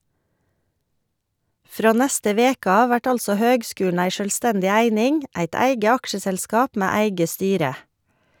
Frå neste veke av vert altså høgskulen ei sjølvstendig eining, eit eige aksjeselskap med eige styre.